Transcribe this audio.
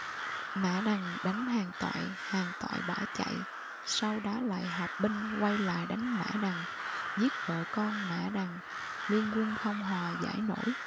mã đằng đánh hàn toại hàn toại bỏ chạy sau đó lại họp binh quay lại đánh mã đằng giết vợ con mã đằng liên quân không hòa giải nổi